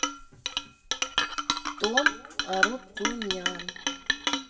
tom арутунян